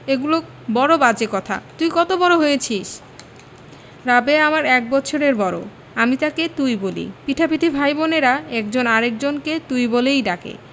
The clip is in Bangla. এগুলো বড় বাজে কথা তুই কত বড় হয়েছিস রাবেয়া আমার এক বৎসরের বড় আমি তাকে তুই বলি পিঠাপিঠি ভাই বোনের একজন আরেক জনকে তুই বলেই ডাকে